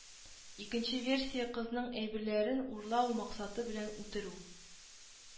Икенче версия кызның әйберләрен урлау максаты белән үтерү